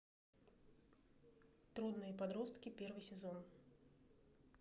трудные подростки первый сезон